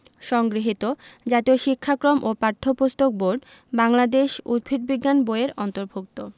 সংগৃহীত জাতীয় শিক্ষাক্রম ও পাঠ্যপুস্তক বোর্ড বাংলাদেশ উদ্ভিদ বিজ্ঞান বই এর অন্তর্ভুক্ত